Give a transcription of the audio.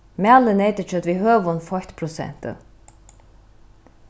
malið neytakjøt við høgum feittprosenti